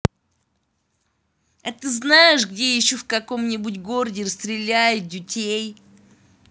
а ты знаешь где еще в каком нибудь городе расстреляют детей